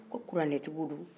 ko kuranɛtigiw do